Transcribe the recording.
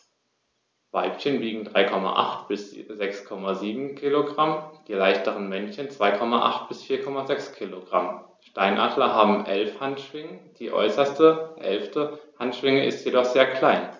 Weibchen wiegen 3,8 bis 6,7 kg, die leichteren Männchen 2,8 bis 4,6 kg. Steinadler haben 11 Handschwingen, die äußerste (11.) Handschwinge ist jedoch sehr klein.